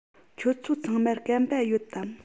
ཁྱོད ཚོ ཚང མར སྐམ པ ཡོད དམ